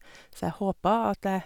Så jeg håper at jeg...